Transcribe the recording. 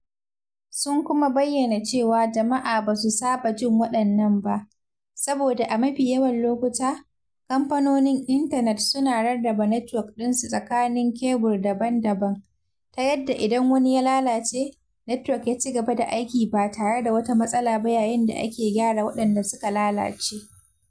Sun kuma bayyana cewa jama’a ba su saba jin waɗannan ba, saboda a mafi yawan lokuta, kamfanonin intanet suna rarraba netwok ɗinsu a tsakanin kebul daban-daban, ta yanda idan wani ya lalace, netwok yaci gaba da aiki ba tare da wata matsala ba yayin da ake gyaran waɗanda suka lalace.